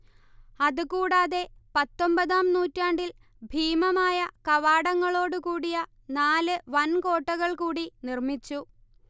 അത് കൂടാതെ പത്തൊമ്പതാം നൂറ്റാണ്ടിൽ ഭീമമായ കവാടങ്ങളോട് കൂടിയ നാല് വൻ കോട്ടകൾ കൂടി നിർമിച്ചു